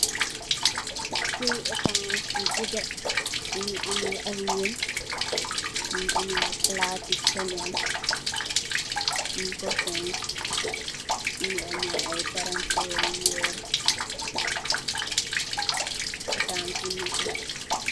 Kèr ri ètas bu gudda , mugii ameh ay weñ, mugii ameh palati caneel, ñing ko fens , mugii ameh ay palanterr wèèr, ètas bu neteh.